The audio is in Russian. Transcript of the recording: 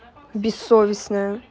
бессовестная